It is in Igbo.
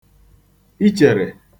ichèrè